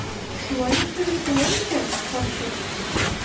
Шулай ук дөрес булыр микән, карчык?